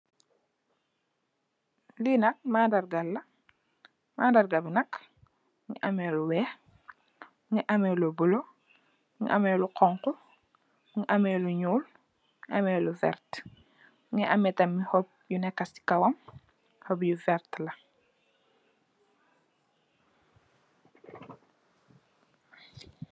Li nak mandarga la, mandarga bi nak mungi am lu weeh, mungi ameh lu bulo, mungi ameh lu honku, mungi ameh lu ñuul, mungi ameh lu vert, mungi ameh tamit hoop yu nekka ci kawam, hoop yu vert la.